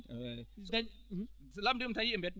so tawi lamdila tan a yiiyat mbedda